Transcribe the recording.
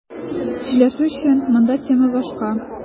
Сөйләшү өчен монда тема башка.